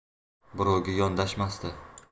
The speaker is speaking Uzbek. birovga yondashmasdi